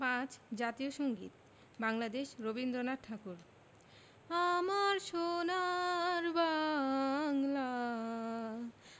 ০৫ জাতীয় সংগীত জাতীয় সংগীত বাংলাদেশ রবীন্দ্রনাথ ঠাকুর আমার সোনার বাংলা